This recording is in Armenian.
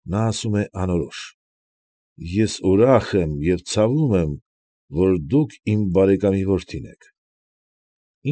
Նա ասում է անորոշ. ֊ Ես ուրախ եմ և ցավում եմ, որ դուք իմ բարեկամի որդին եք։ ֊